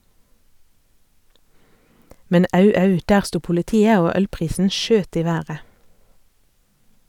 Men au, au, der sto politiet, og ølprisen skjøt i været.